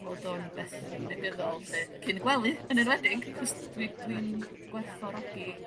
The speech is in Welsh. bod o'n beth negyddol lle cyn gwely yn enwedig jys dwi dwi'n gwerthfawrogi